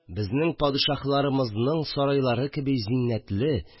Безнең падишаһларымызның сарайлары кеби зиннәтле